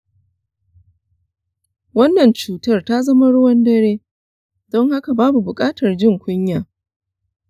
wannan cutar ta zama ruwan dare, don haka babu buƙatar jin kunya.